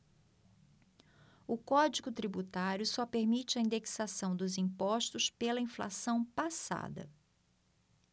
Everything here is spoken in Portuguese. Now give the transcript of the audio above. o código tributário só permite a indexação dos impostos pela inflação passada